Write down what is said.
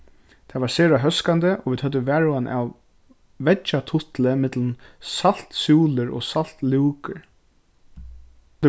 tað var sera hóskandi og vit høvdu varhugan av veggjatutli millum saltsúlur og saltlúkur